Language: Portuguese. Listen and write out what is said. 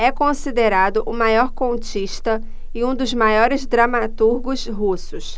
é considerado o maior contista e um dos maiores dramaturgos russos